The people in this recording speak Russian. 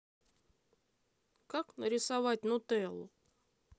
как нарисовать нутеллу